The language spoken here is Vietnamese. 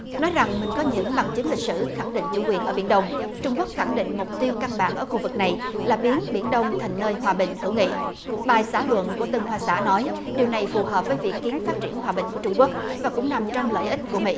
nói rằng mình có những bằng chứng lịch sử khẳng định chủ quyền ở biển đông trung quốc khẳng định mục tiêu căn bản ở khu vực này là biến biển đông thành nơi hòa bình hữu nghị bài xã luận của tân hoa xã nói điều này phù hợp với viễn kiến phát triển hòa bình của trung quốc và cũng nằm trong lợi ích của mỹ